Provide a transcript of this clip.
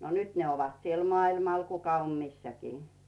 no nyt ne ovat siellä maailmalla kuka on missäkin